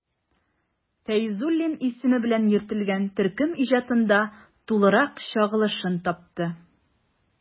Фәйзуллин исеме белән йөртелгән төркем иҗатында тулырак чагылышын тапты.